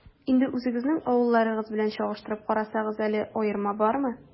Инде үзегезнең авылларыгыз белән чагыштырып карагыз әле, аерма бармы?